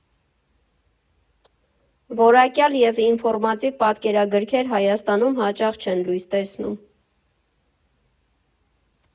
Որակյալ և ինֆորմատիվ պատկերագրքեր Հայաստանում հաճախ չեն լույս տեսնում։